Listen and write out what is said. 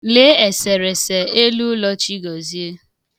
Lee eserese eluụlọ Chigọzie.